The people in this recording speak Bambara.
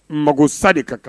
Mago sa de ka kan